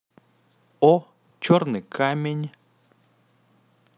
о черный камень